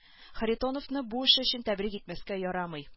Харитоновны бу эше өчен тәбрик итмәскә ярамый